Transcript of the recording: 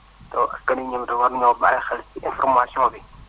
teewul askan wi ñoom itam war nañoo bàyyi xel ci information bi